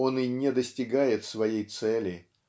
он и не достигает своей цели